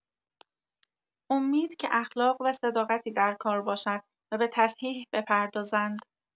امید که اخلاق و صداقتی درکار باشد و به تصحیح بپردازند.